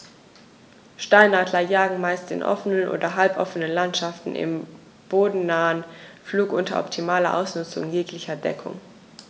Steinadler jagen meist in offenen oder halboffenen Landschaften im bodennahen Flug unter optimaler Ausnutzung jeglicher Deckung.